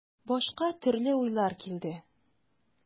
Башка төрле уйлар килде.